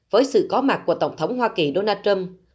với sự có mặt của tổng thống hoa kỳ đô nan trưm